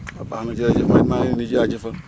waaw baax na jërëjëf man maa leen di jaajëfal